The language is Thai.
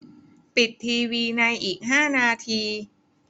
ปิดทีวีในอีกห้านาที